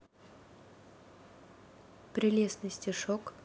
прелестный стишок